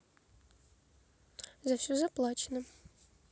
за все заплачено